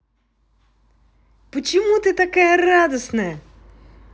почему такая радостная